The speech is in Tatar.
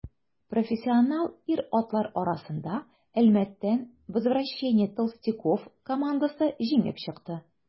Профессионал ир-атлар арасында Әлмәттән «Возвращение толстяков» командасы җиңеп чыкты.